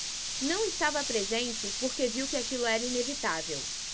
não estava presente porque viu que aquilo era inevitável